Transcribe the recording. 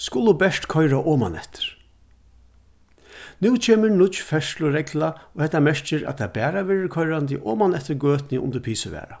skulu bert koyra omaneftir nú kemur nýggj ferðsluregla og hetta merkir at tað bara verður koyrandi oman eftir gøtuni undir pisuvarða